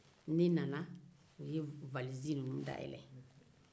ne nana u ye valizi ninnu dayɛlɛn